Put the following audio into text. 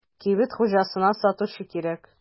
Кибет хуҗасына сатучы кирәк.